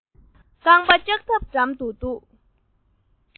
རྐང པ ལྕགས ཐབ འགྲམ དུ འདུག